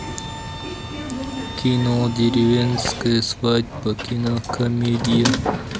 кино деревенская свадьба кинокомедия